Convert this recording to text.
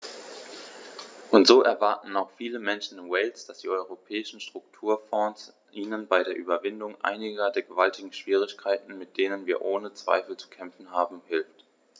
Und so erwarten auch viele Menschen in Wales, dass die Europäischen Strukturfonds ihnen bei der Überwindung einiger der gewaltigen Schwierigkeiten, mit denen wir ohne Zweifel zu kämpfen haben, hilft.